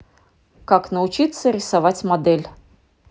как научиться рисовать модель